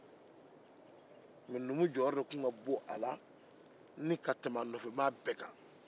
mɛ numu jɔyɔrɔ de tun ka bon a la ka tɛmɛ a nɔfɛmaa bɛɛ kan